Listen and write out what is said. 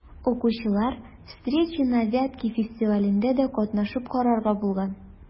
Укучылар «Встречи на Вятке» фестивалендә дә катнашып карарга булган.